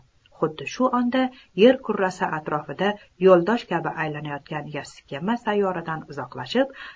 xuddi shu onda yer kurrasi atrofida yo'ldosh kabi aylanayotgan yassi kema sayyoradan uzoqlashib